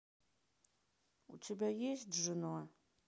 у тебя есть жена